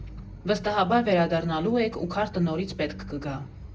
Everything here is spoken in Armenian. Վստահաբար վերադառնալու եք ու քարտը նորից պետք կգա։